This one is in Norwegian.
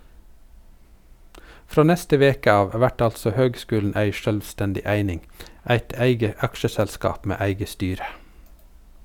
Frå neste veke av vert altså høgskulen ei sjølvstendig eining, eit eige aksjeselskap med eige styre.